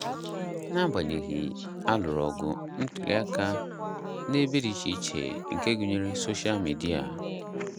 N'abanyeghị, a lụrụ ọgụ ntuliaka n'ebe dị iche iche, nke gụnyere soshal midịa.